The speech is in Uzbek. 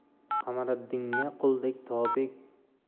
qamariddinga qulday tobe